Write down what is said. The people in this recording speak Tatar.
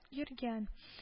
Йөргән